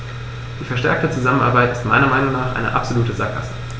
Die verstärkte Zusammenarbeit ist meiner Meinung nach eine absolute Sackgasse.